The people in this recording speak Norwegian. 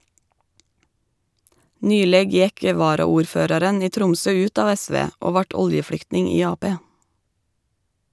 Nyleg gjekk varaordføraren i Tromsø ut av SV og vart oljeflyktning i Ap.